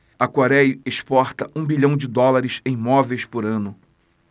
a coréia exporta um bilhão de dólares em móveis por ano